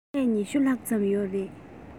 ཆེད ལས ༢༠ ལྷག ཙམ ཡོད རེད